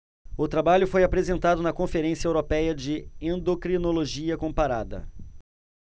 o trabalho foi apresentado na conferência européia de endocrinologia comparada